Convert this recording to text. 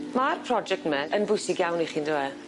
Ma'r project 'my yn bwysig iawn i chi on'd yw e?